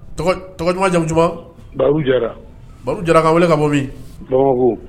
Tɔgɔj duman , jamu duman? Baru Jara. Baru Jara? ka weeleli kɛ ka bon min? Bamakɔ.